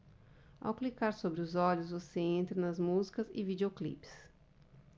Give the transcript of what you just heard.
ao clicar sobre os olhos você entra nas músicas e videoclipes